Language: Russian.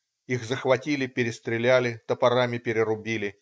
их захватили, перестреляли, топорами перерубили